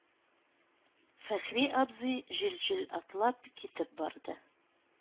Фәхри абзый җил-җил атлап китеп барды.